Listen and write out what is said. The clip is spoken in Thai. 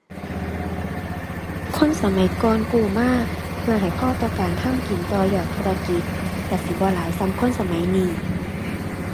คนสมัยก่อนกู้มาเพื่อให้พอต่อการทำกิน ต่อยอดธุรกิจ ก็สิบ่หลายส่ำคนสมัยนี้